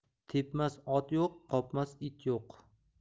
tepmas ot yo'q qopmas it yo'q